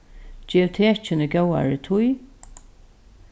gev tekin í góðari tíð